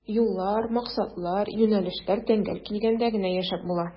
Юллар, максатлар, юнәлешләр тәңгәл килгәндә генә яшәп була.